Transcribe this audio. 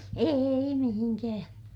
ei mihinkään